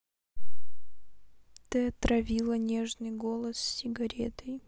ты отравила нежный голос сигаретой